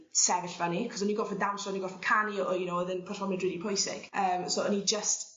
sefyll fynny 'c'os o'n i'n goffod dawnsio o'n i gorffod canu o you know o'dd e'n perfformiad rili pwysig yym so o'n i jyst